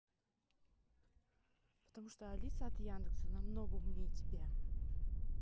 потому что алиса от яндекса намного умнее тебя